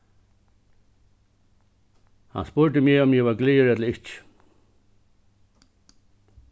hann spurdi meg um eg var glaður ella ikki